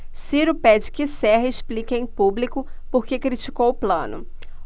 ciro pede que serra explique em público por que criticou plano